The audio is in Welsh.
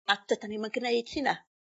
A dydan ni 'im yn gneud hynna.